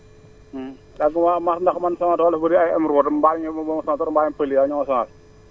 * ndax man sama tool yi dafa bari ay *** mbaam yi ñoo ma sonal trop mbaamu pël yi ñoo ma sonal